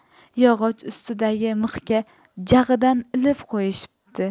yog'och ustundagi mixga jag'idan ilib qo'yishibdi